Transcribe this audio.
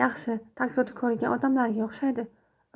yaxshi tag zoti ko'rgan odamlarga o'xshaydi